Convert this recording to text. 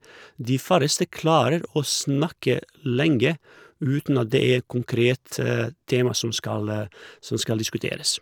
De færreste klarer å snakke lenge uten at det er en konkret tema som skal som skal diskuteres.